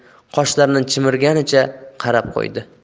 tushunib qoshlarini chimirganicha qarab qo'ydi